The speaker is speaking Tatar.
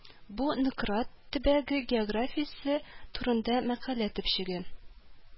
Бу Нократ төбәге географиясе турында мәкалә төпчеге